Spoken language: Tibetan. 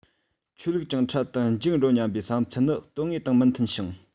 ཆོས ལུགས ཀྱང འཕྲལ དུ འཇིག འགྲོ སྙམ པའི བསམ ཚུལ ནི དོན དངོས དང མི མཐུན ཞིང